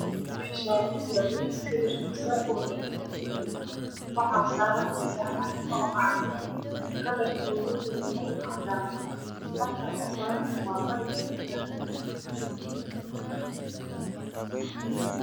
Waa miis kalarkiisu waa dahabi waxaa saaran gasac caanood kalarkoodu uu yahay cadaan farta kuqorana waa buluug.